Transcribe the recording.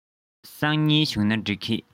སང ཉིན བྱུང ན འགྲིག ག